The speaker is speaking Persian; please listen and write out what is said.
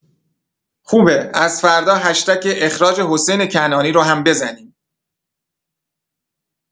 خوبه از فردا هشتگ اخراج حسین کنعانی رو هم بزنین.